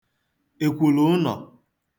èkwùlụ̀ụnọ̀